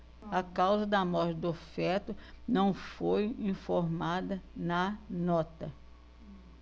a causa da morte do feto não foi informada na nota